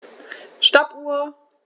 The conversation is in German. Stoppuhr.